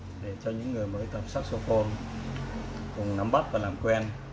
cho những người mới tập saxophone cùng nắm bắt và làm quen